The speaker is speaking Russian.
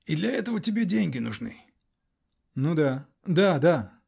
-- И для этого тебе деньги нужны? -- Ну да. да, да.